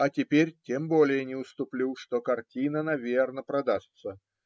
А теперь тем более не уступлю, что картина наверно продастся